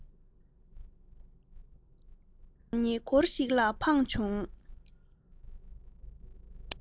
ཐོག རྡོ འགའ ཡང ཉེ འཁོར ཞིག ལ འཕངས བྱུང